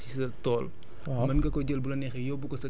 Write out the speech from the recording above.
au lieu nga koy jël di ko bàyyi ci sa tool